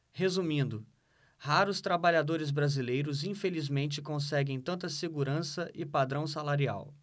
resumindo raros trabalhadores brasileiros infelizmente conseguem tanta segurança e padrão salarial